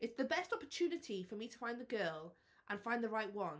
It's the best opportunity for me to find the girl and find the right one.